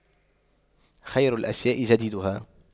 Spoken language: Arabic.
خير الأشياء جديدها